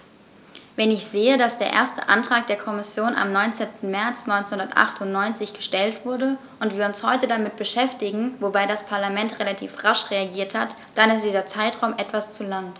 Wenn ich sehe, dass der erste Antrag der Kommission am 19. März 1998 gestellt wurde und wir uns heute damit beschäftigen - wobei das Parlament relativ rasch reagiert hat -, dann ist dieser Zeitraum etwas zu lang.